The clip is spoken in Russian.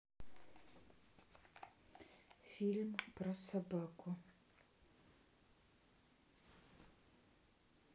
фильм про собаку